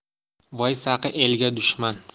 vaysaqi elga dushman